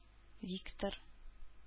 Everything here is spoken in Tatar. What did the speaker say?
Виктор